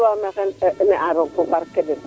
muum tolwa maxey n''a roog fo barke den